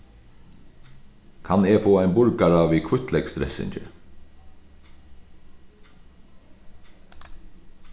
kann eg fáa ein burgara við hvítleyksdressingi